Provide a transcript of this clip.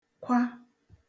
kwa